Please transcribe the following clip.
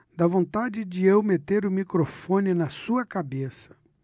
dá vontade de eu meter o microfone na sua cabeça